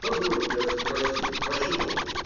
Позволь тебя спросить, почему?